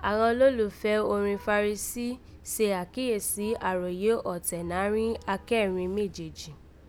Àghan olólùfẹ́ orin Fàríìsì se àkíyèsí àròyé ọ̀tẹ̀ nàárín akẹrin méjèèjì